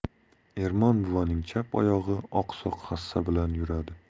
ermon buvaning chap oyog'i oqsoq hassa bilan yuradi